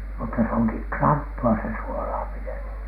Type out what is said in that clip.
mutta se onkin kranttua se suolaaminen